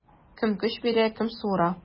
Кем көч бирә, кем суыра.